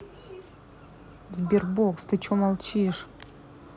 sberbox ты че молчишь